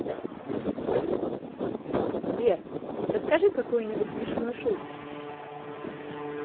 сбер расскажи какую нибудь смешную шутку